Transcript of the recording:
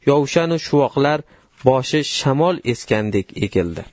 yovshanu shuvoqlar boshi shamol esgandek egildi